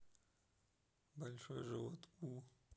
большой живот у